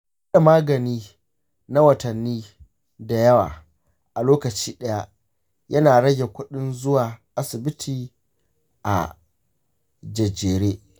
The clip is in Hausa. bada magani na watanni dayawa a lokaci ɗaya yana rage kuɗin zuwa asibi a jejjere.